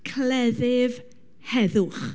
Cleddyf heddwch.